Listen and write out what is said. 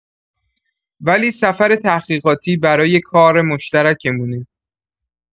ولی سفر تحقیقاتی برای کار مشترکمونه.